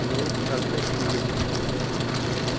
buzov kaltak yegizar